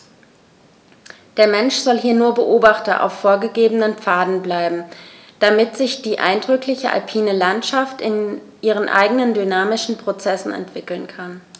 Der Mensch soll hier nur Beobachter auf vorgegebenen Pfaden bleiben, damit sich die eindrückliche alpine Landschaft in ihren eigenen dynamischen Prozessen entwickeln kann.